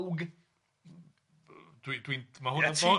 Yy dwi dwi'n ma hwna yn